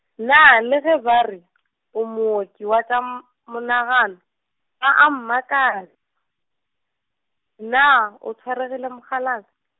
na le ge ba re , o mooki wa tša m- monagano, ba a mmaka , na o swaregile mokgalabje?